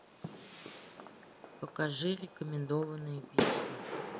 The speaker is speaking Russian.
покажи рекомендованные песни